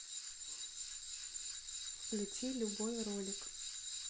включи любой ролик